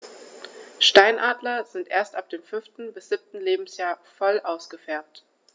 Steinadler sind erst ab dem 5. bis 7. Lebensjahr voll ausgefärbt.